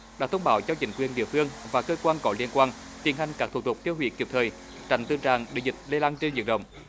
đã thông báo cho chính quyền địa phương và cơ quan có liên quan tiến hành các thủ tục tiêu hủy kịp thời tránh tình trạng để dịch lây lan trên diện rộng